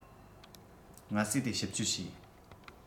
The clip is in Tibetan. ང ཚོས དེ ཞིབ གཅོད བྱས